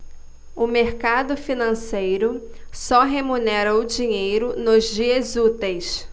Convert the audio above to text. o mercado financeiro só remunera o dinheiro nos dias úteis